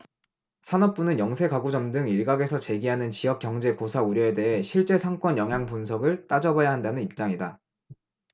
산업부는 영세 가구점 등 일각에서 제기하는 지역경제 고사 우려에 대해 실제 상권 영향분석을 따져봐야 한다는 입장이다